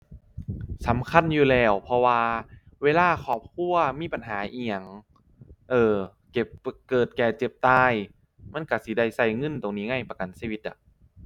สำคัญอยู่แล้วเพราะว่าเวลาครอบครัวมีปัญหาอิหยัง เออ เก็บ เกิดแก่เจ็บตายมันก็สิได้ก็เงินตรงนี้ไงประกันชีวิตอะ